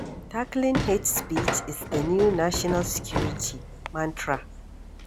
Tackling hate speech is the new ‘national security’ mantra